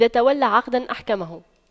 إذا تولى عقداً أحكمه